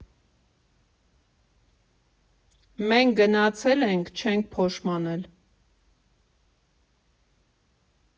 Մենք գնացել ենք՝ չենք փոշմանել։